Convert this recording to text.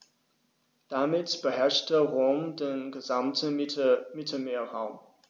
Damit beherrschte Rom den gesamten Mittelmeerraum.